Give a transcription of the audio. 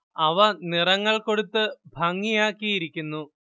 അവ നിറങ്ങൾ കൊടുത്ത് ഭംഗിയാക്കിയിരിക്കുന്നു